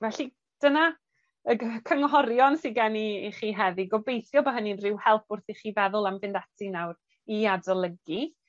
Felly dyna y gy- cynghorion sy gen i i chi heddi. Gobeithio bo' hynny'n rhyw help wrth i chi feddwl am fynd ati nawr i adolygu.